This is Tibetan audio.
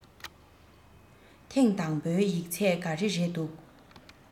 ཐེང དང པོའི ཡིག ཚད ག རེ རེད འདུག